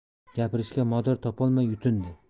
gapirishga mador topolmay yutindi